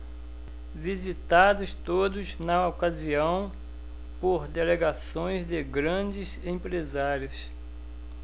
visitados todos na ocasião por delegações de grandes empresários